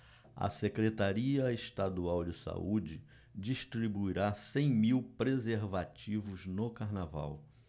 a secretaria estadual de saúde distribuirá cem mil preservativos no carnaval